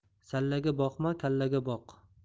sallaga boqma kallaga boq